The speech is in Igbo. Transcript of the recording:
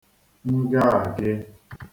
ngaàge